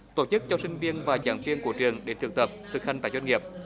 tổ chức cho sinh viên và giảng viên của trường đến thực tập thực hành tại doanh nghiệp